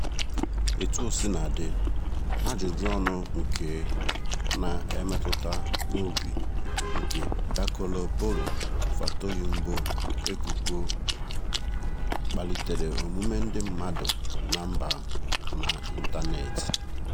Etuosinadị, ajụju ọnụ nke na-emetụta n'obi nke Dakolo boro Fatoyinbo ebubo kpalitere omume ndị mmadụ na mba n'ịntaneetị.